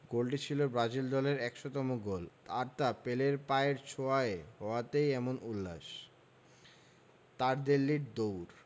গোলটি ছিল ব্রাজিল দলের ১০০তম গোল আর তা পেলের পায়ের ছোঁয়ায় হওয়াতেই এমন উল্লাস তারদেল্লির দৌড়